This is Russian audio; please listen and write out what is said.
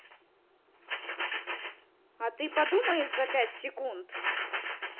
а ты подумаешь за пять секунд